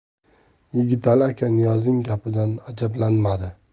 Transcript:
yigitali aka niyozning gapidan ajablanmadi